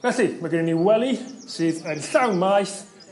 Felly ma' gennyn ni wely sydd yn llawn maeth